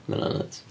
Mae hynna'n nuts.